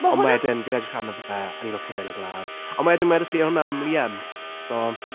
Ond wedyn, fi’n edrych arno fe and he looks a bit like a lad. Ond wedyn wedais i hwnna am Liam, so.